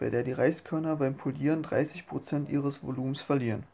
der die Reiskörner beim Polieren 30 % ihres Volumens verlieren